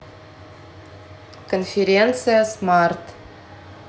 конференция смарт